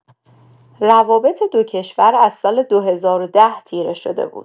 روابط دو کشور از سال ۲۰۱۰ تیره شده بود.